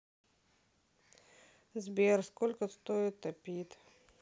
сбер сколько стоит топит